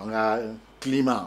An ka climat